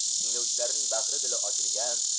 tinglovchilarning bahri dili ochilgan